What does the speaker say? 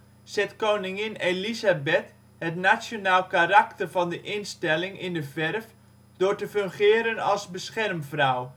zet Koningin Elizabeth het nationaal karakter van de instelling in de verf door te fungeren als beschermvrouw